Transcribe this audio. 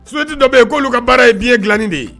Société dɔ be yen kolu ka baara ye biye gilanni de ye.